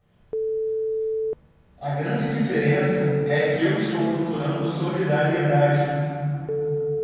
a grande diferença é que eu estou procurando solidariedade